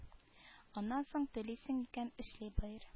Аннан соң телисең икән эшли быр